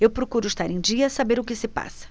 eu procuro estar em dia saber o que se passa